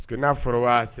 Seke n'a fɔra waa sera